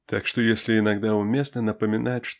так что если иногда уместно напоминать